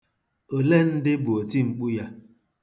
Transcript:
Ole ndị bụ otimkpu ya?